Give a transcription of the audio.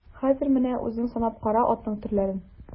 Хәзер менә үзең санап кара атның төрләрен.